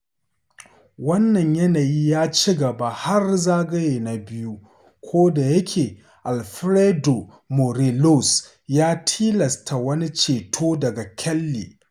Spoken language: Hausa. Wannan yanayi ya ci gaba har zagaye na biyu, kodayake Alfredo Morelos ya tilasta wani ceto daga Kelly.